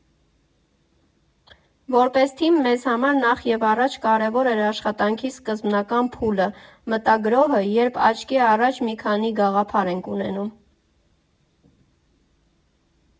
Որպես թիմ, մեզ համար նախևառաջ կարևոր էր աշխատանքի սկզբնական փուլը՝ մտագրոհը, երբ աչքի առաջ մի քանի գաղափար ենք ունենում։